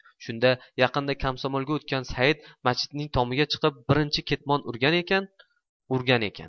shunda yaqinda komsomolga o'tgan said machitning tomiga chiqib birinchi ketmon urgan ekan